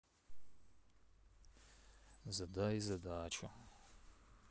задай задачу